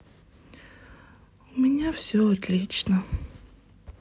у меня все отлично